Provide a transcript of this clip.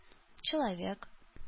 Человек